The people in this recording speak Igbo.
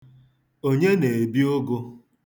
Onye na-ebi ụgụ?